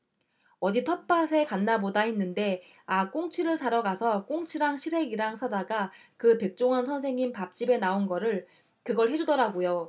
어디 텃밭에 갔나보다 했는데 아 꽁치를 사러 가서 꽁치랑 시래기랑 사다가 그 백종원 선생님 밥집에 나온 거를 그걸 해주더라고요